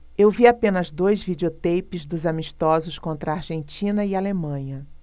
eu vi apenas dois videoteipes dos amistosos contra argentina e alemanha